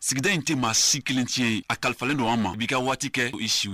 Sigida in tɛ maa si kelen tiɲɛ ye a kalifalen don an ma b'i ka waati kɛ'su